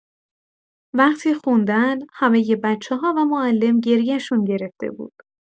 وقتی خوندن، همۀ بچه‌ها و معلم گریه‌شون گرفته بود.